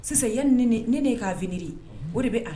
Sisan ye ni ne kafri o de bɛ